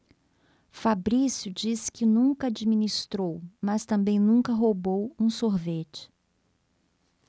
fabrício disse que nunca administrou mas também nunca roubou um sorvete